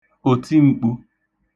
òtim̄kpū